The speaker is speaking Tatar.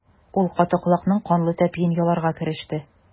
Ул каты колакның канлы тәпиен яларга кереште.